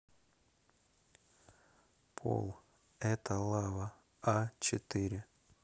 пол это лава а четыре